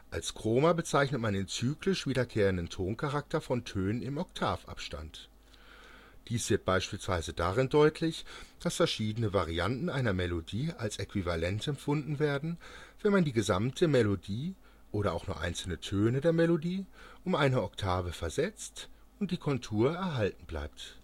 Als Chroma bezeichnet man den zyklisch wiederkehrenden Toncharakter von Tönen im Oktavabstand. Dies wird beispielsweise darin deutlich, dass verschiedene Varianten einer Melodie als äquivalent empfunden werden, wenn man die gesamte Melodie oder auch nur einzelne Töne der Melodie um eine Oktave versetzt und die Kontur erhalten bleibt